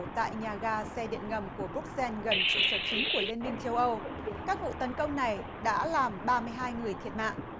tại nhà ga xe điện ngầm của búc sen gần trụ sở chính của liên minh châu âu các vụ tấn công này đã làm ba mươi hai người thiệt mạng